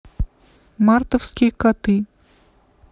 мартовские коты